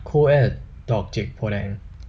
คู่เอซดอกจิกโพธิ์แดง